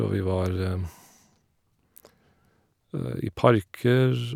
Og vi var i parker.